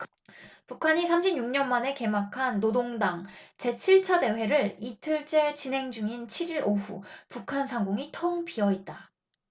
북한이 삼십 육 년 만에 개막한 노동당 제 칠 차 대회를 이틀 째 진행 중인 칠 일 오후 북한 상공이 텅 비어 있다